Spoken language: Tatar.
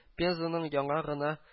Пензаның яңа гына